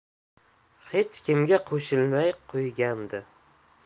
hech kimga qo'shilmay qo'ygandi